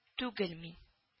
Түгел мин